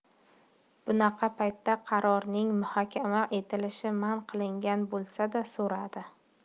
bunaqa paytda qarorning muhokama etilishi man qilingan bo'lsa da so'radi